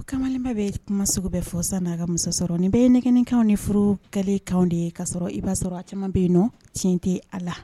U kamalenba bɛ kuma sugu bɛɛ fɔ san' ka muso sɔrɔ nin bɛɛ nɛgɛgɛnkan ni furu kɛlenlekan de kaa sɔrɔ i b'a sɔrɔ a caman bɛ yen nɔ tiɲɛ tɛ a la